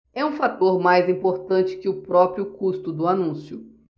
é um fator mais importante que o próprio custo do anúncio